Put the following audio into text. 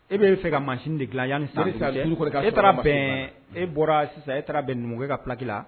E bɛ' se ka masin de dilan yan sa sa e bɛn e bɔra sisan e taara bɛn numukɛ ka paki la